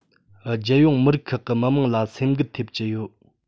རྒྱལ ཡོངས མི རིགས ཁག གི མི དམངས ལ སེམས འགུལ ཐེབས ཀྱི ཡོད